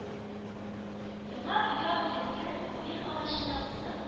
Яңа оя эленгән каен агачына кунып,